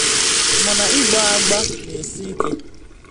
Mana ịgba agba na esi ike.